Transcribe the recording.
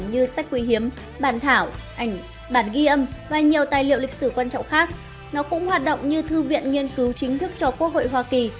như sách quý hiếm bản thảo ảnh bản ghi âm và nhiều tài liệu lịch sử quan trọng khác nó cũng hoạt động như thư viện nghiên cứu chính thức cho quốc hội hoa kỳ